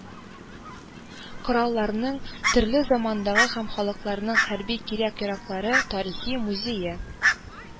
Коралларның, төрле замандагы һәм халыкларның хәрби кирәк-яраклары тарихи музее